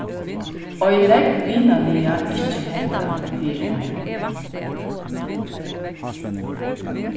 oyðilegg vinarliga ikki hetta fyri meg